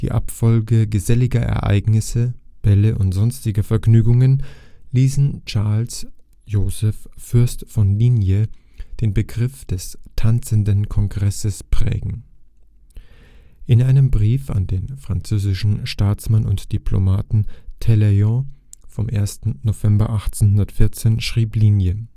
Abfolge geselliger Ereignisse, Bälle und sonstiger Vergnügungen ließen Charles Joseph Fürst von Ligne den Begriff des „ Tanzenden Kongresses “prägen. In einem Brief an den französischen Staatsmann und Diplomaten Talleyrand vom 1. November 1814 schrieb Ligne